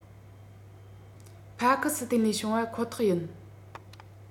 ཕ ཁི སི ཐན ལས བྱུང བ ཁོ ཐག ཡིན